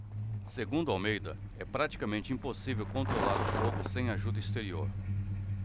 segundo almeida é praticamente impossível controlar o fogo sem ajuda exterior